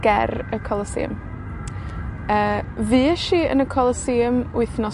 ger y Colosseum. Yy fuesh i yn y Colosseum wythnos